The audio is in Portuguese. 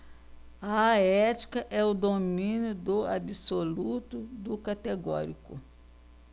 a ética é o domínio do absoluto do categórico